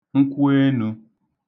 nkwụenū